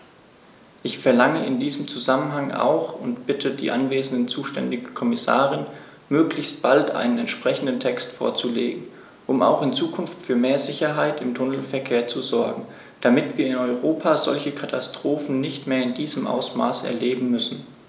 Ich verlange in diesem Zusammenhang auch und bitte die anwesende zuständige Kommissarin, möglichst bald einen entsprechenden Text vorzulegen, um auch in Zukunft für mehr Sicherheit im Tunnelverkehr zu sorgen, damit wir in Europa solche Katastrophen nicht mehr in diesem Ausmaß erleben müssen!